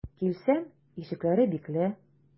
Килсәм, ишекләре бикле.